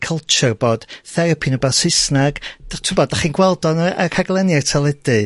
culture bod therapi'n wbath Saesneg. D- t'wbod, 'dych chi'n gweld o yn y y rhaglenni ar teledu